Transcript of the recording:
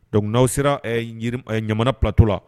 Don n'aw sera ɲamana ptɔ la